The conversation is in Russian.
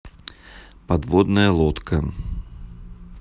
подводная лодка